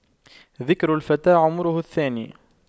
ذكر الفتى عمره الثاني